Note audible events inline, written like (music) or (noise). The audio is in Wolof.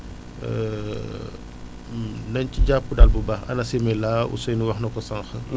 (hesitation) nañ ci jàpp daal bu baax ANACIM est là Ousseynou wax na ko sànq